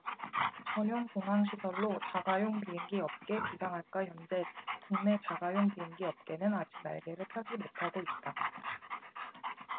전용 공항 시설로 자가용 비행기 업계 비상할까현재 국내 자가용 비행기 업계는 아직 날개를 펴지 못하고 있다